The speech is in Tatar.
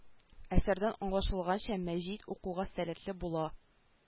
Әсәрдән аңлашылганча мәҗит укуга сәләтле була